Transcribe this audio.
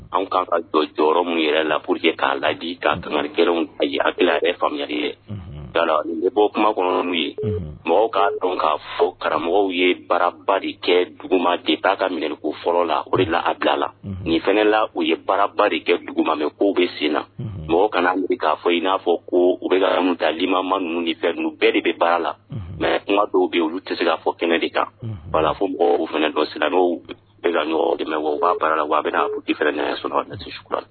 An kan ka dɔ jɔyɔrɔ min yɛrɛ la pour que k'a ladi ka kankɛw a ye abi faamuyari ye ga ne bɔ kuma kɔnɔnw ye mɔgɔw'a dɔn k kaa fɔ karamɔgɔw ye baaraba kɛ duguma de' ka minɛku fɔlɔ la o de la a bila la ni fanala u ye baaraba kɛ dugu ma mɛ k' bɛ sen na mɔgɔ kana k'a fɔ in n'a fɔ ko u bɛ ka talilima ma ninnu ni fɛ nu bɛɛ de bɛ baara la mɛ kuma dɔw bɛ u tɛ se k'a fɔ kɛnɛ de kan bala' fɔ mɔgɔw fana dɔsira n' bɛ ka ɲɔgɔn de waa baara la wa bɛ na fana sɔrɔ na sugu la